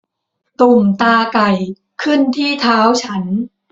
ตุ่มตาไก่ขึ้นที่เท้าฉัน